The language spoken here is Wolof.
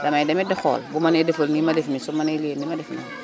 damay dem it di xool bu ma nee defal nii ma def nii su ma nee liiwal nii ma def noonu